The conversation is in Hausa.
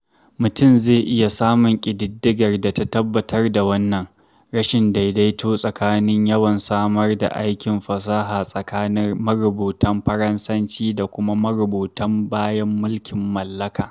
Mutum zai iya samun ƙididdigar da ta tabbatar da wannan: rashin daidaito tsakanin yawan samar da aikin fasaha tsakanin marutan Faransanci da kuma marubutan bayan mulkin mallaka.